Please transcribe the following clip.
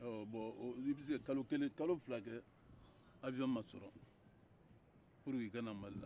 bon i bɛ se ka kalo kelen kalo fila kɛ awiyɔn ma sɔrɔ walasa i ka na mali la